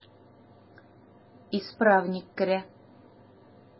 Исправник керә.